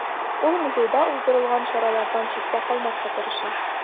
Ул музейда уздырылган чаралардан читтә калмаска тырыша.